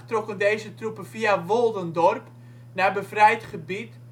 via Woldendorp naar bevrijd gebied